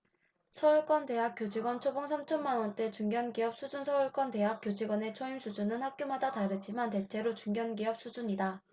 서울권 대학 교직원 초봉 삼 천만원대 중견기업 수준서울권 대학 교직원의 초임 수준은 학교마다 다르지만 대체로 중견기업 수준이다